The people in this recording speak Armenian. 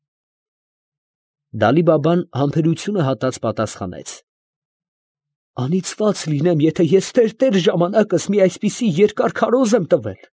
Դալի֊Բաբան համբերությունը հատած, պատասխանեց. ֊ Անիծված լինեմ, եթե ես տերտեր ժամանակս մի այսպիսի երկար քարոզ եմ տվել։